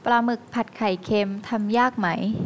ปลาหมึกผัดไข่เค็มทำยากไหม